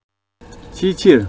ཕྱི ཕྱིར